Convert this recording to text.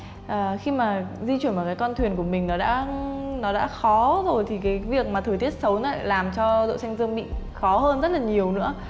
à khi mà di chuyển bằng cái con thuyền của mình nó đã nó đã khó rồi thì cái việc mà thời tiết xấu nó lại làm cho đội xanh dương bị khó hơn rất là nhiều nữa